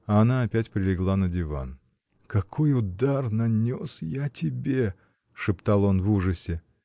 А она опять прилегла на диван. — Какой удар нанес я тебе! — шептал он в ужасе.